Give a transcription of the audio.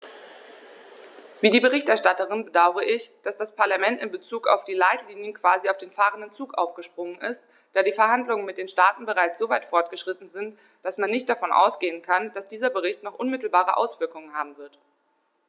Wie die Berichterstatterin bedaure ich, dass das Parlament in bezug auf die Leitlinien quasi auf den fahrenden Zug aufgesprungen ist, da die Verhandlungen mit den Staaten bereits so weit fortgeschritten sind, dass man nicht davon ausgehen kann, dass dieser Bericht noch unmittelbare Auswirkungen haben wird.